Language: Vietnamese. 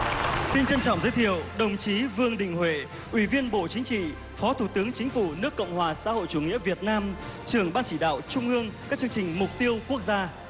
xin trân trọng giới thiệu đồng chí vương đình huệ ủy viên bộ chính trị phó thủ tướng chính phủ nước cộng hòa xã hội chủ nghĩa việt nam trưởng ban chỉ đạo trung ương các chương trình mục tiêu quốc gia